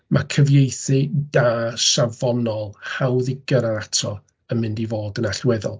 Ma' cyfieithu da, safonol, hawdd i gyrradd ato yn mynd i fod yn allweddol.